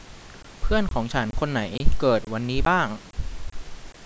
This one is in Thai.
เพื่อนของฉันคนไหนเกิดวันนี้บ้าง